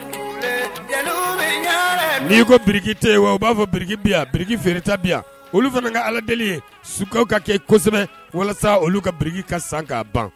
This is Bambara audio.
N'i ko biriki tɛ yen wa u b'a fɔriki bi biriki feere biyan olu fana ka ala delieli ye sukaw ka kɛ kosɛbɛ walasa olu ka biriki ka san k kaa ban